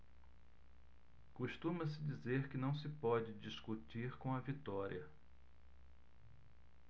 costuma-se dizer que não se pode discutir com a vitória